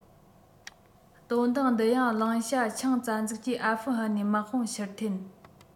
དོན དག འདི ཡང གླེང བྱ ཆིངས རྩ འཛུགས ཀྱིས ཨ ཧྥུ ཧན ནས དམག དཔུང ཕྱིར འཐེན